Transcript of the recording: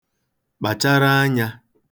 kpàchara anyā